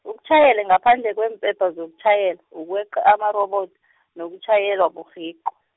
ukutjhayela ngaphandle kweempepha zokutjhayela, ukweqa amarobodo, nokutjhayela aburhicwa.